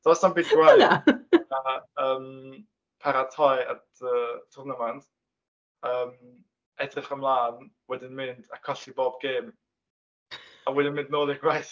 Does na'm byd gwaeth na yym paratoi at y twrnament yym edrych ymlaen, wedyn mynd a colli bob gêm, a wedyn mynd nôl i'r gwaith.